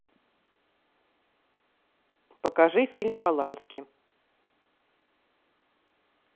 покажи фильмы полански